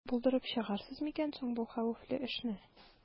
Булдырып чыгарсыз микән соң бу хәвефле эшне?